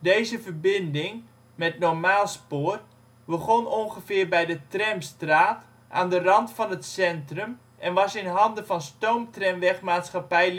Deze verbinding, met normaalspoor, begon ongeveer bij de Tramstraat, aan de rand van het centrum en was in handen van Stoomtramweg-Maatschappij